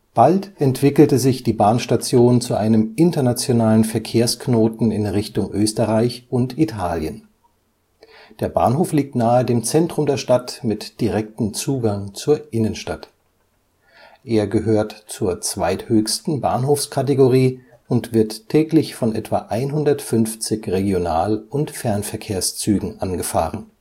Bald entwickelte sich die Bahnstation zu einem internationalen Verkehrsknoten in Richtung Österreich und Italien. Der Bahnhof liegt nahe dem Zentrum der Stadt mit direktem Zugang zur Innenstadt. Er gehört zur zweithöchsten Bahnhofskategorie und wird täglich von etwa 150 Regional - und Fernverkehrszügen angefahren